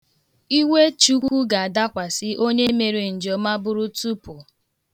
Iwe Chukwu ga-adakwasị onye mere njọ maburutupụ.